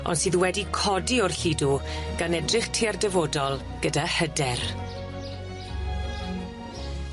On' sydd wedi codi o'r lludw gan edrych tua'r dyfodol gyda hyder.